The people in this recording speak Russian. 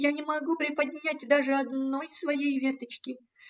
я не могу приподнять даже одной своей веточки.